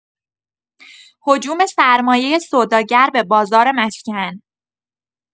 هجوم سرمایه سوداگر به بازار مسکن